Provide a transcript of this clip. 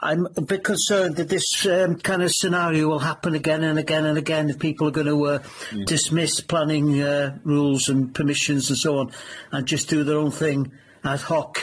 I'm a bit concerned that this erm kin' o' scenario will happen again and again and again if people are gonna err dismiss planning rules and permissions and so on, and just do their own thing, ad hoc.